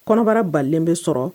Kɔnɔbara balen bɛ sɔrɔ